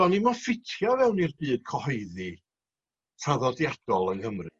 do'n i'm yn ffitio fewn i'r byd cyhoeddi traddodiadol yng Nghymru.